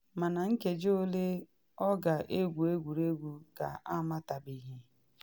Mana nkeji ole ọ ga-egwu egwuregwu ka amatabeghị.